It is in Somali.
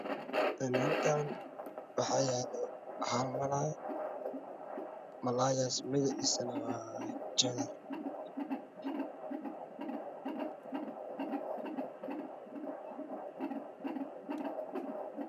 Hal kaan waxa yaalo hal malaay ah oo layiraahdo jeegar